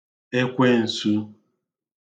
ekwen̄sū